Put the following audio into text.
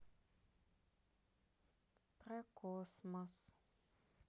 про космос